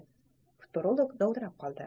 futurolog dovdirab qoldi